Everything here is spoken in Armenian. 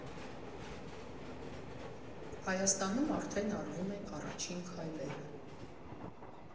Հայաստանում արդեն արվում են առաջին քայլերը։